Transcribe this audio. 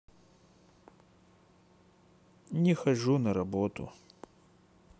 не хожу на работу